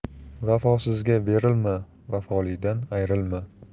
vafosizga berilma vafolidan ayrilma